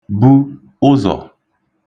bu ụzọ̀